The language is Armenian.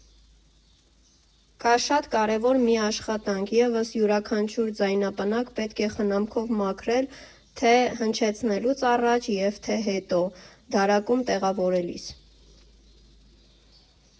Կա շատ կարևոր մի աշխատանք ևս՝ յուրաքանչյուր ձայնապնակ պետք է խնամքով մաքրել, թե՛ հնչեցնելուց առաջ և թե հետո՝ դարակում տեղավորելիս։